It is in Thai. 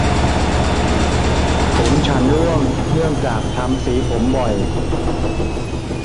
ผมฉันร่วงเนื่องจากทำสีผมบ่อย